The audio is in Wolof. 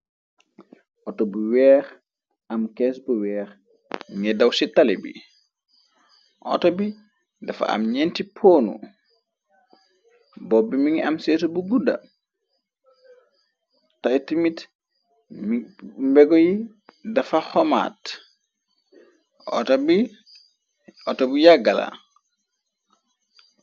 Auto bu weex am kees bu weex ne daw ci tali bi auto bi dafa am ñenti poonu bopbi mi ngi am seetu bu gudda taiti mit mbego yi dafa xomaat auto bu yaggala.